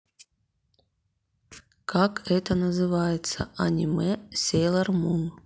как это называется аниме сейлор мун